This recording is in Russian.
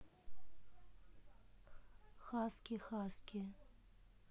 хаски хаски